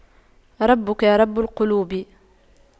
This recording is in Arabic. ربك رب قلوب